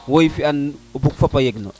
woy fiyan bug fopo yeg no